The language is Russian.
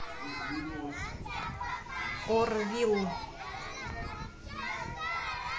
орвилл